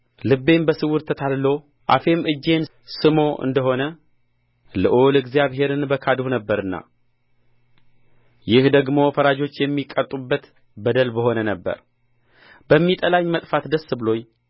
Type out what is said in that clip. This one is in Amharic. ልቤ በስውር ተታልሎ አፌም እጄን ስሞ እንደ ሆነ ልዑል እግዚአብሔርን በካድሁ ነበርና ይህ ደግሞ ፈራጆች የሚቀጡበት በደል በሆነ ነበር በሚጠላኝ መጥፋት ደስ ብሎኝ